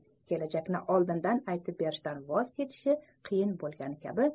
kelajakni oldindan aytib berishdan voz kechishi qiyin bo'lgani kabi